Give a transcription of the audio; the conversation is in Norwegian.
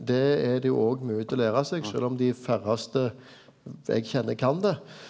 det er det jo òg mogleg å læra seg sjølv om dei færraste eg kjenner kan det.